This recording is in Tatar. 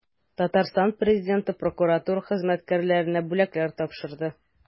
Татарстан Президенты прокуратура хезмәткәрләренә бүләкләр тапшырды.